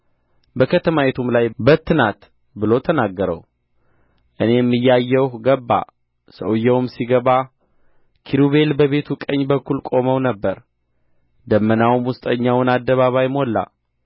በከተማይቱም ላይ በትናት ብሎ ተናገረው እኔም እያየሁ ገባ ሰውዬውም ሲገባ ኪሩቤል በቤቱ ቀኝ በኩል ቆመው ነበር ደመናውም ውስጠኛውን አደባባይ ሞላ